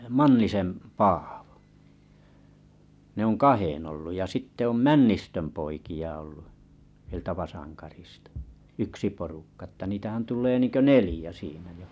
Mannisen Paavo ne on kahden ollut ja sitten on Männistön poikia ollut sieltä Vasankarista yksi porukka että niitähän tulee niin kuin neljä siinä jo